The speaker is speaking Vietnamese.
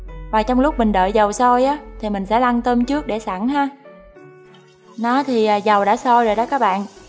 rồi trong lúc mình đợi dầu sôi á thì mình sẽ lăn tôm trước để sẵn ha nó thì dầu đã sôi rồi đó các bạn